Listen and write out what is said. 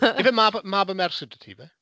Ife mab... mab a merch sy 'da ti ife?